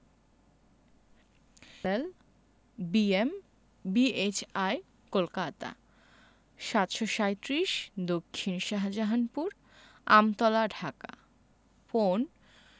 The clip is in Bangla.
L B M B H I Kolkata ৭৩৭ দক্ষিন শাহজাহানপুর আমতলা ধাকা ফোনঃ